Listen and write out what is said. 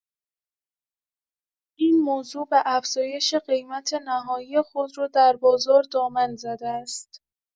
این موضوع به افزایش قیمت نهایی خودرو در بازار دامن زده است.